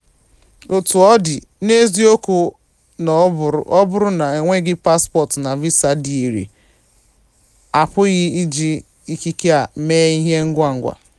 Otú ọ dị, n'eziokwu bụ na ọ bụrụ na e nweghị paspọtụ na visa dị irè, a pụghị iji ikike a mee ihe ngwa ngwa.